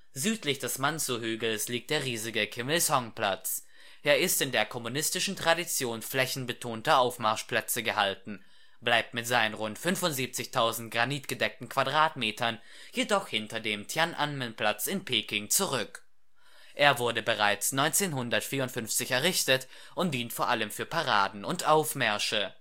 Südlich des Mansu-Hügels liegt der riesige Kim-Il-sung-Platz. Er ist in der kommunistischen Tradition flächenbetonter Aufmarschplätze gehalten, bleibt mit seinen rund 75.000 granitgedeckten Quadratmetern jedoch hinter dem Tian’ anmen-Platz in Peking zurück. Er wurde bereits 1954 errichtet und dient vor allem für Paraden und Aufmärsche